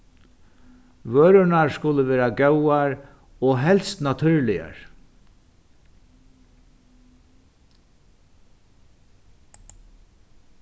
vørurnar skulu vera góðar og helst natúrligar